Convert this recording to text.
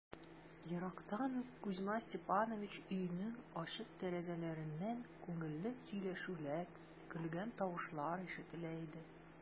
Ерактан ук Кузьма Степанович өенең ачык тәрәзәләреннән күңелле сөйләшүләр, көлгән тавышлар ишетелә иде.